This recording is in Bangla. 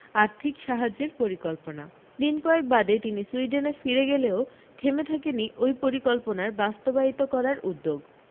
আর্থিক সাহায্যের পরিকল্পনা দিন কয়েক বাদে তিনি সুইডেনে ফিরে গেলেও থেমে থাকেনি ওই পরিকল্পনার বাস্তবায়িত করার উদ্যোগ